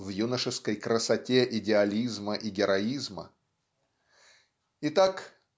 в юношеской красоте идеализма и героизма. Итак